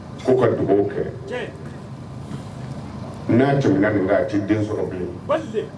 U ka dugaw kɛ n'mina min kan a t'i den sɔrɔ bi yen